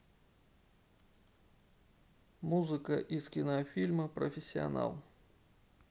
музыка из кинофильма профессионал